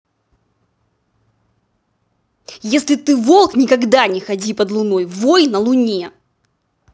если ты волк никогда не ходи под луной вой на луне